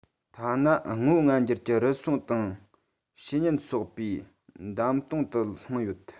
ཐ ན ངོ བོ ངན འགྱུར གྱིས རུལ སུངས དང བྱས ཉེས གསོག པའི འདམ དོང དུ ལྷུང ཡོད